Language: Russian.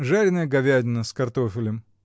жареная говядина с картофелем.